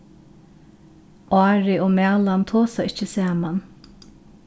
ári og malan tosa ikki saman